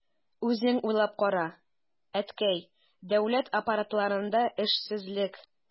Үзең уйлап кара, әткәй, дәүләт аппаратларында эшсезлек...